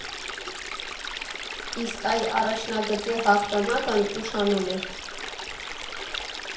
Իսկ այ առաջնագծի հաղթանակն ուշանում էր։